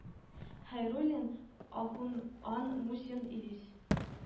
Хәйруллин, Ахун ан Мусин, Ирис